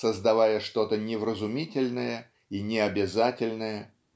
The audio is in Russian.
создавая что-то невразумительное и необязательное